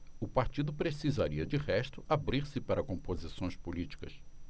o partido precisaria de resto abrir-se para composições políticas